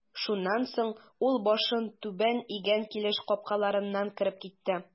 Шуннан соң ул башын түбән игән килеш капкаларыннан кереп китте.